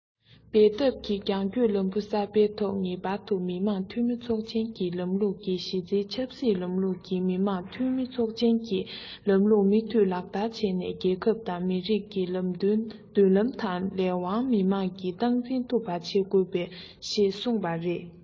འབད འཐབ ཀྱི རྒྱང སྐྱོད ལམ བུ གསར པའི ཐོག ངེས པར དུ མི དམངས འཐུས མི ཚོགས ཆེན གྱི ལམ ལུགས ཀྱི གཞི རྩའི ཆབ སྲིད ལམ ལུགས ཀྱི མི དམངས འཐུས མི ཚོགས ཆེན གྱི ལམ ལུགས མུ མཐུད ལག བསྟར བྱས ནས རྒྱལ ཁབ དང མི རིགས ཀྱི མདུན ལམ དང ལས དབང མི དམངས ཀྱིས སྟངས འཛིན ཐུབ པ བྱེད དགོས ཞེས གསུངས པ རེད